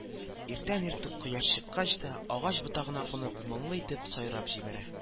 Иртән-иртүк, кояш чыккач та, агач ботагына кунып моңлы итеп сайрап җибәрә